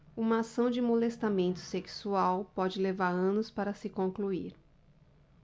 uma ação de molestamento sexual pode levar anos para se concluir